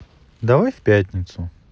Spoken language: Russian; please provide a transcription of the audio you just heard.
давай в пятницу